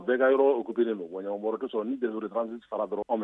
A bɛnkan yɔrɔ ku kelen waɲɔgɔnɔnbɔkɛsɔ ni de gan sara dɔrɔn anw